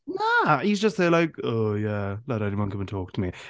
Na. He's just there like "Oh yeah let anyone come and talk to me."